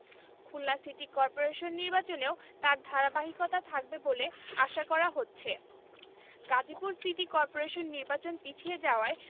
Khulna city corporation নির্বাচনেও তার ধারাবাহিকতা থাকবে বলে আশা করা হচ্ছে গাজীপুর সিটি করপোরেশন নির্বাচন পিছিয়ে যাওয়ায়